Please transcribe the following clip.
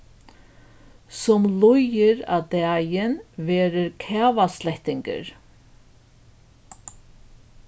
sum líður á dagin verður kavaslettingur